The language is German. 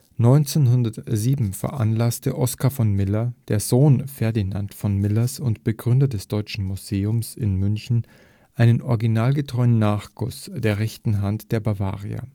1907 veranlasste Oskar von Miller, der Sohn Ferdinand von Millers und Begründer des Deutschen Museums in München, einen originalgetreuen Nachguss der rechten Hand der Bavaria